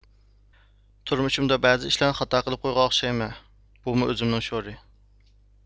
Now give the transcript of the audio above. تۇرمۇشۇمدا بەزى ئىشلارنى خاتا قىلىپ سالغان ئوخشايمەن بۇمۇ ئۆزۈمنىڭ شورى